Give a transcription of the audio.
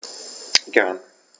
Gern.